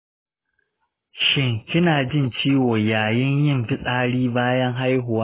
shin kina jin ciwo yayin yin fitsari bayan haihuwa?